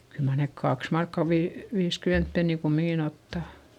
kyllä mar ne kaksi markkaa - viisikymmentä penniä kumminkin ottaa